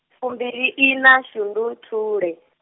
fumbiliiṋa shunduthule.